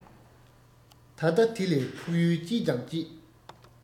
ད ལྟ དེ ལས ཕུགས ཡུལ སྐྱིད ཀྱང སྐྱིད